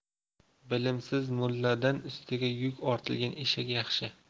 bilimsiz mulladan ustiga yuk ortilgan eshak yaxshi